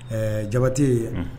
Ɛɛ jabati